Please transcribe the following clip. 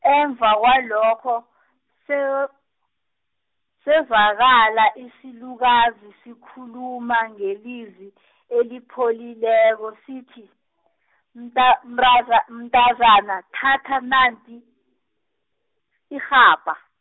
emva kwalokho, se- sezwakala isilukazi sikhuluma ngelizwi , elipholileko sithi , mta- mntaza- mntazana thatha nanti, irhabha.